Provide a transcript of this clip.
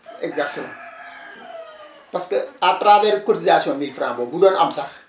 exactement parce que à travers cotisation 1000F boobu bu doon am sax